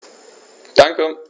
Danke.